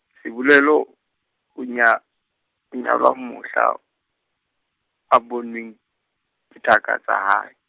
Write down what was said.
Sebolelo o nya, o nyalwa mohla, a bonweng, ke thaka tsa hae.